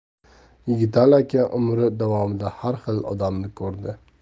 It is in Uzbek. yigitali aka umri davomida har xil odamni ko'rdi